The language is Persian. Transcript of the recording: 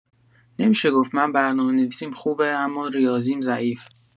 نمی‌شه گفت من برنامه نویسیم خوبه اما ریاضیم ضعیف!